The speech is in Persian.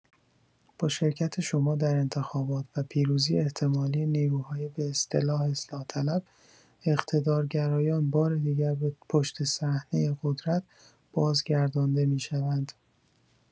با شرکت شما در انتخابات و پیروزی احتمالی نیروهای به اصطلاح اصلاح‌طلب، اقتدارگرایان بار دیگر به پشت‌صحنه قدرت بازگردانده می‌شوند.